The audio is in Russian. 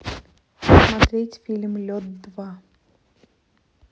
смотреть фильм лед два